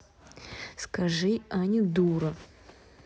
скажи аня дура